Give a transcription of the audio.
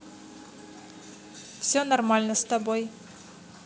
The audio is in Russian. все нормально с тобой